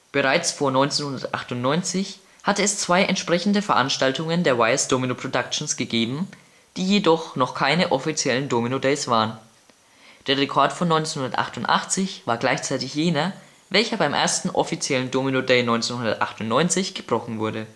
Bereits vor 1998 hatte es zwei entsprechende Veranstaltungen der Weijers Domino Productions gegeben, die jedoch noch keine offiziellen Domino Days waren. Der Rekord von 1988 war gleichzeitig jener, welcher beim ersten offiziellen Domino Day 1998 gebrochen wurde